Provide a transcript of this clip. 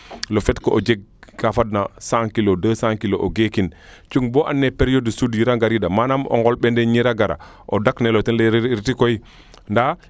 le faite que o jeg kaa fadna cent kilo deux cent kilo o geekin cung bo ande periode de manaam o ngeel mbendenjir a gara o daknel o ten leye reti koy